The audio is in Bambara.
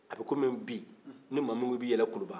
a bɛ i komi bi ni maa min ko i bɛ yɛlɛn kuluba